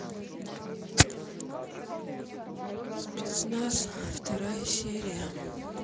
спецназ вторая серия